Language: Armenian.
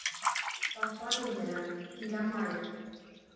Պահպանիր նրան, Տիրամայր։